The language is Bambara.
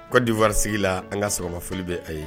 Ko diwasigi la an ka sɔgɔmafolo bɛ a ye